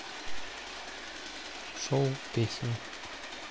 шоу песни